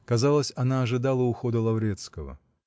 казалось, она ожидала ухода Лаврецкого.